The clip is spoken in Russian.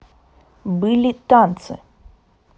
были танцы